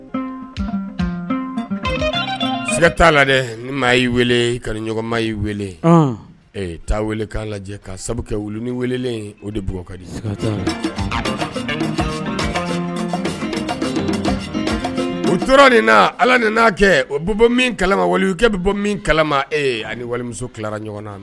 Siga t'a la weele ka ɲɔgɔnma weele t' weele ka lajɛ ka sabu kɛ wuluni weele o de bug u tora nin ala nia kɛ o bɔ kala wali bɛ bɔ kalama e ani walimusora ɲɔgɔn na